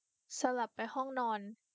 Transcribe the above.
สลับไปห้องนอน